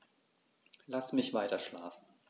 Lass mich weiterschlafen.